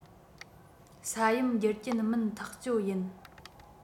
ས ཡོམ རྒྱུ རྐྱེན མིན ཐག གཅོད ཡིན